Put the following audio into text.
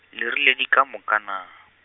le rile di ka moka naa?